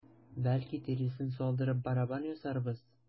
Бәлки, тиресен салдырып, барабан ясарбыз?